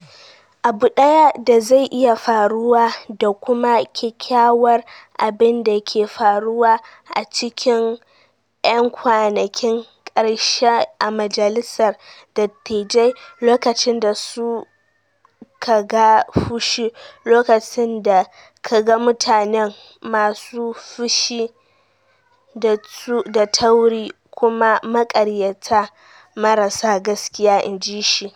"Abu daya da zai iya faruwa da kuma kyakkyawar abin da ke faruwa a cikin 'yan kwanakin karshe a Majalisar Dattijai, lokacin da su ka ga fushi, lokacin da ka ga mutanen masu fushi da tauri kuma maƙaryata marar sa gaskiya," in ji shi.